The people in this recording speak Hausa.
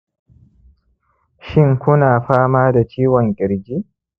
shin ku na fama da ciwon ƙirji